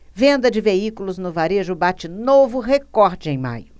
venda de veículos no varejo bate novo recorde em maio